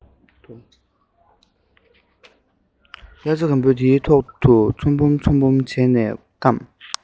དབྱར རྩྭ དགུན འབུ དེའི ཐོག ཏུ ཚོམ བུ ཚོམ བུར བྱས ནས བསྐམས